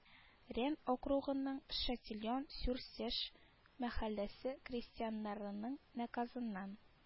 Ренн округының шатильон-сюр-сеш мәхәлләсе крестьяннарының наказыннан